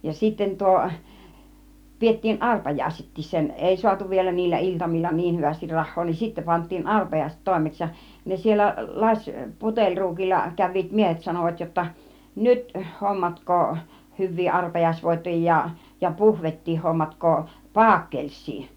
ja sitten - pidettiin arpajaisetkin sen ei saatu vielä niillä iltamilla niin hyvästi rahaa niin sitten pantiin arpajaiset toimeksi ja ne siellä lasi puteliruukilla kävivät miehet sanoivat jotta nyt hommatkaa hyviä arpajaisvoittoja ja puhvettiin hommatkaa paakelssia